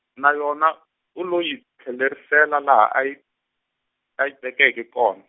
na yona u lo yi tlherisela laha a yi, a yi tekeke kona.